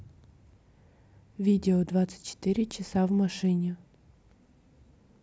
видео двадцать четыре часа в машине